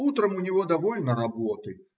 Утром у него довольно работы